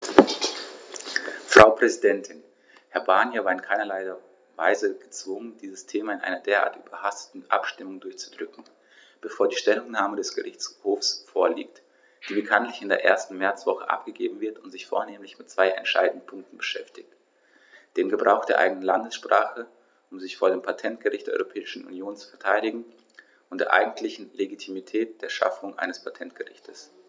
Frau Präsidentin, Herr Barnier war in keinerlei Weise gezwungen, dieses Thema in einer derart überhasteten Abstimmung durchzudrücken, bevor die Stellungnahme des Gerichtshofs vorliegt, die bekanntlich in der ersten Märzwoche abgegeben wird und sich vornehmlich mit zwei entscheidenden Punkten beschäftigt: dem Gebrauch der eigenen Landessprache, um sich vor dem Patentgericht der Europäischen Union zu verteidigen, und der eigentlichen Legitimität der Schaffung eines Patentgerichts.